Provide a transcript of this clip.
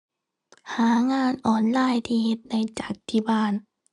หางานออนไลน์ที่เฮ็ดได้จากที่บ้าน